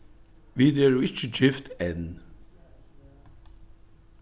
vit eru ikki gift enn